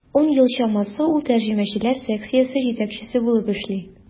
Ун ел чамасы ул тәрҗемәчеләр секциясе җитәкчесе булып эшли.